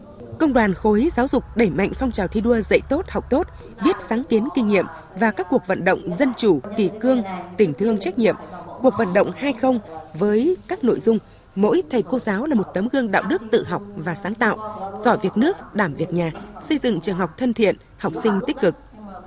công đoàn khối giáo dục đẩy mạnh phong trào thi đua dạy tốt học tốt biết sáng kiến kinh nghiệm và các cuộc vận động dân chủ kỷ cương tình thương trách nhiệm cuộc vận động hai không với các nội dung mỗi thầy cô giáo là một tấm gương đạo đức tự học và sáng tạo giỏi việc nước đảm việc nhà xây dựng trường học thân thiện học sinh tích cực